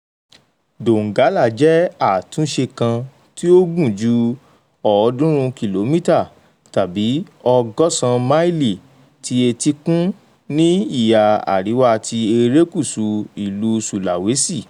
Donggala jẹ́ àtúnṣe kan tí ó gùn ju 300 km (180 máìlì) ti etíkun ní ihà àríwá ti erékùṣú ìlú Sulawesi.